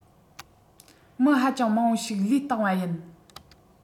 མི ཧ ཅང མང པོ ཞིག བློས བཏང བ ཡིན